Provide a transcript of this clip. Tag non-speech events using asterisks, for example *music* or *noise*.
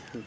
*hesitation*